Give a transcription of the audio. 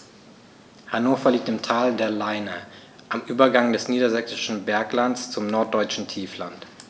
Hannover liegt im Tal der Leine am Übergang des Niedersächsischen Berglands zum Norddeutschen Tiefland.